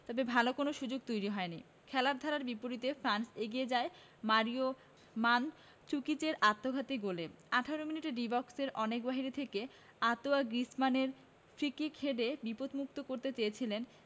তবে ভালো কোনো সুযোগ তৈরি হয়নি খেলার ধারার বিপরীতে ফ্রান্স এগিয়ে যায় মারিও মানজুকিচের আত্মঘাতী গোলে ১৮ মিনিটে ডি বক্সের অনেক বাইরে থেকে আঁতোয়া গ্রিজমানের ফ্রিকিক হেডে বিপদমুক্ত করতে চেয়েছিলেন